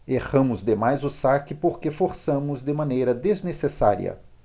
erramos demais o saque porque forçamos de maneira desnecessária